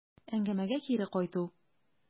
Әңгәмәгә кире кайту.